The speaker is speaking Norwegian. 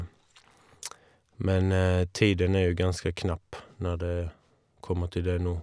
Men tiden er jo ganske knapp når det kommer til det nå.